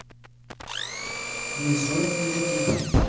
невзоров на ютубе